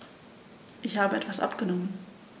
Ich habe etwas abgenommen.